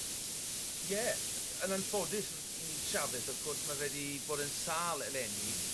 Ie yn anffodus i Chavez wrth gwrs ma' fe 'di bod yn sâl eleni. Hmm.